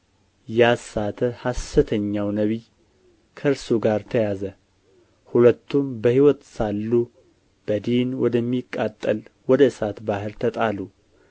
ያሳተ ሐሰተኛው ነቢይ ከእርሱ ጋር ተያዘ ሁለቱም በሕይወት ሳሉ በዲን ወደሚቃጠል ወደ እሳት ባሕር ተጣሉ